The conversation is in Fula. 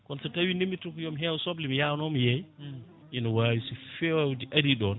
kono so tawi ndeemirtumi ko yomi heew soble mi yawno mi yeeya ina wawi so fewde ariɗon